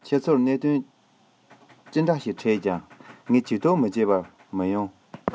ཁྱེད ཚོར གནད དོན འཕྲད ནས ང བཙལ བར ཡོང ན ཇུས གཏོགས མི བྱེད པ བྱས མ ཡོང